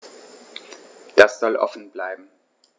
Das soll offen bleiben.